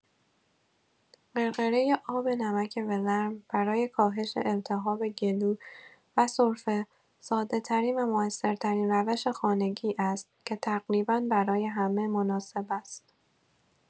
غرغره آب‌نمک ولرم برای کاهش التهاب گلو و سرفه ساده‌‌ترین و مؤثرترین روش خانگی است که تقریبا برای همه مناسب است.